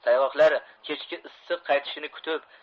sayg'oqlar kechki issiq qaytishini kutib